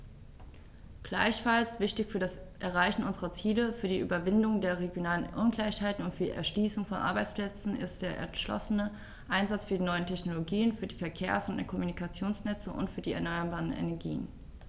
Gleichfalls wichtig für das Erreichen unserer Ziele, für die Überwindung der regionalen Ungleichheiten und für die Erschließung von Arbeitsplätzen ist der entschlossene Einsatz für die neuen Technologien, für die Verkehrs- und Kommunikationsnetze und für die erneuerbaren Energien.